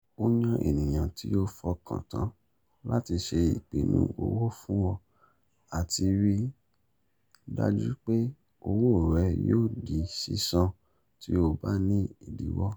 Ó yan ènìyàn tí ó fọkàntán láti ṣe ìpinnu owó fún ọ àti rì i dájú pé owó rẹ yóò di sísan tí o bá ní ìdíwọ́.